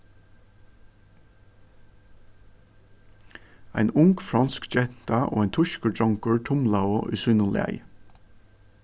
ein ung fronsk genta og ein týskur drongur tumlaðu í sínum lagi